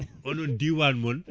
onoon diwan moon